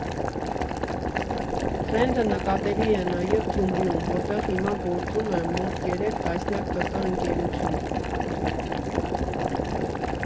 Թրենդը նկատելի է նաև Գյումրիում, որտեղ հիմա գործում է մոտ երեք տասնյակ ՏՏ ընկերություն։